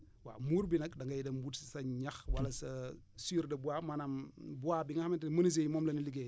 waaw muur bi nag da ngay dem wuti sa ñax wala sa sur de bois maanaam bois bi nga xamante ne menuisier yi moom la ñuy liggéeyee